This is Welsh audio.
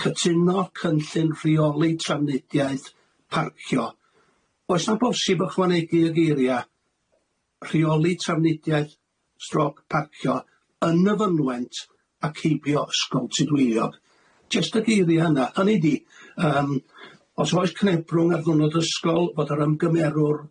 cytuno cynllun rheoli trafnidiaeth parcio oes na bosib ychwanegu y geiria rheoli trafnidiaeth stroc parcio yn y fynwent ac heibio ysgol Tudweiliog jyst y geiria yna hynny di yym os oes cnebrwng ar ddiwrnod ysgol fod yr ymgymerwr